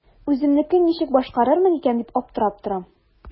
Үземнекен ничек башкарырмын икән дип аптырап торам.